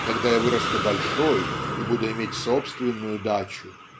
Когда я вырасту большой и буду иметь собственную дачу